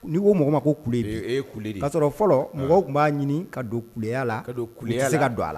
N'i ko mɔgɔ ma ko ku kaa sɔrɔ fɔlɔ mɔgɔw tun b'a ɲini ka don ku la ka kule se ka don a la